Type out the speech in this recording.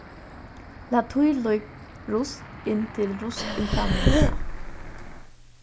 lat tílík rusk inn til ruskinnsavningina